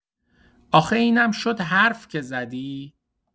آخه اینم شد حرف که زدی؟!